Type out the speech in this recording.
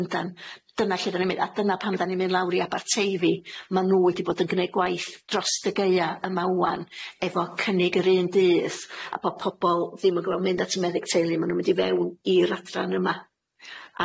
yndan, dyna lle da ni'n mynd a dyna pan da ni'n mynd lawr i Abarteifi ma' nw wedi bod yn gneud gwaith drosd y gaea yma ŵan efo cynnig yr un dydd a bo' pobol ddim yn goro mynd at y meddyg teulu, ma' nw'n mynd i fewn i'r adran yma.